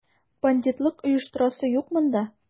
Бандитлык оештырасы юк монда!